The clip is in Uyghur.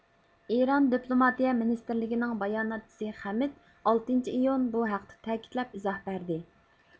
ئىران دىپلوماتىيە مىنىستىرلىكىنىڭ باياناتچىسى خەمىد ئالتىنچى ئىيۇن بۇ ھەقتە تەكىتلەپ ئېزاھ بەردى